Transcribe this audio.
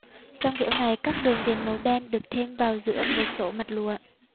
trong kiểu này các đường viền màu đen được thêm vào giữa một số mặt lụa